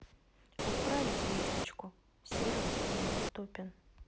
отправить весточку сервис недоступен